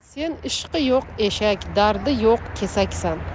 sen ishqi yo'q eshak dardi yo'q kesaksan